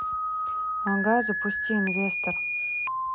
ага запусти инвестор